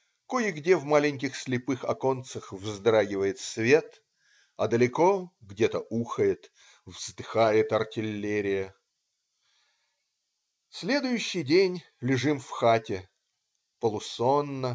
Кое-где в маленьких слепых оконцах вздрагивает свет, а далеко где-то ухает, вздыхает артиллерия. Следующий день лежим в хате. Полусонно.